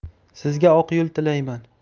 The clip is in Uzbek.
sizga oq yo'l tilayman